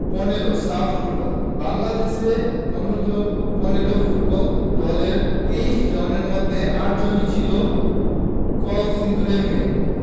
১৫ SAFF football Bangladesh অনূর্ধ্ব ১৫ football দলের ২৩ জনের মধ্যে ৮ জনই ছিল কলসিন্দুরের মেয়ে